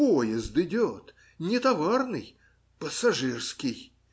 Поезд идет не товарный, пассажирский.